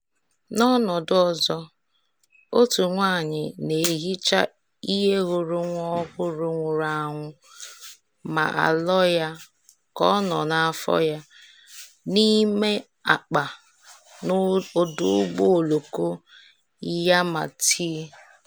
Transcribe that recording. N'ọnọdụ ọzọ, otu nwaanyị na-ehicha ihe hụrụ nwa ọhụrụ nwụrụ anwụ ma alọ ya ka nọ n'afọ ya n'ime akpa n'ọdụ ụgbọ oloko Yau Ma Tei.